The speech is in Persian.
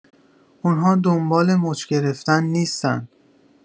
اون‌ها دنبال مچ گرفتن نیستن